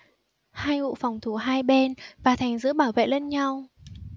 hai ụ phòng thủ hai bên và thành giữa bảo vệ lẫn nhau